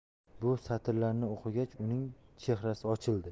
bu satrlarni o'qigach uning chehrasi ochildi